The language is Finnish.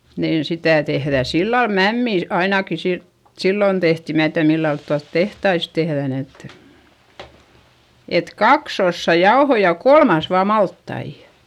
niin sitä tehdään sillä lailla mämmiä ainakin - silloin tehtiin minä tiedä millä lailla tuolla tehtaissa tehdään että että kaksi osaa jauhoja ja kolmas vain maltaita